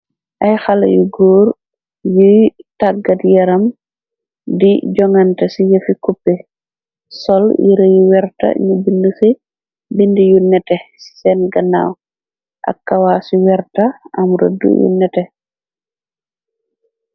Ay xala yu góor yuy tàggat yaram di jongante ci yëfi cupe. Sol yirayu werta ñu bind ci bind yu nete. Ci seen ganaaw ak kawa ci werta am rëdd yu nete.